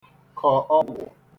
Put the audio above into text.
kọ ọgwụ̀